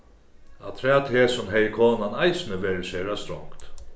afturat hesum hevði konan eisini verið sera strongd